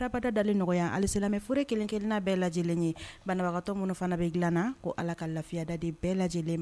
Habada daeli nɔgɔyaya halisi forour kelen- kelenina bɛɛ lajɛ lajɛlen ye banabagatɔ minnu fana bɛ g dilanna ko ala ka lafiya da de bɛɛ lajɛ lajɛlen ye